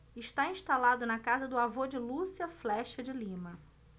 está instalado na casa do avô de lúcia flexa de lima